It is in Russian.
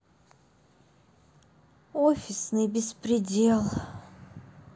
офисный беспредел